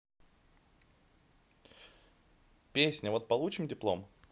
песня вот получим диплом